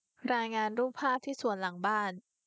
รายงานรูปภาพที่สวนหลังบ้าน